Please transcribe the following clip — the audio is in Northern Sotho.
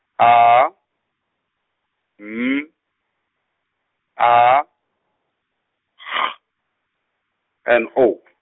A M A G N O.